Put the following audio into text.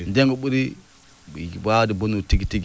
ndeen ngu ɓuri waawde bonnude tigi tigi